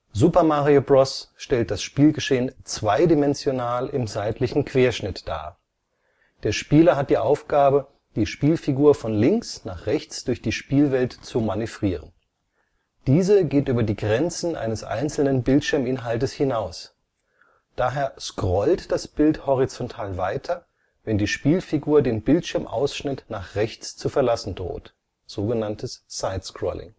Super Mario Bros. stellt das Spielgeschehen zweidimensional im seitlichen Querschnitt dar. Der Spieler hat die Aufgabe, die Spielfigur von links nach rechts durch die Spielwelt zu manövrieren. Diese geht über die Grenzen eines einzelnen Bildschirminhaltes hinaus. Daher scrollt das Bild horizontal weiter, wenn die Spielfigur den Bildschirmausschnitt nach rechts zu verlassen droht („ Side-Scrolling